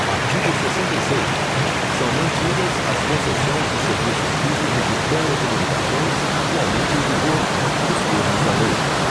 artigo sessenta e seis são mantidas as concessões de serviços públicos de telecomunicações atualmente em vigor nos termos da lei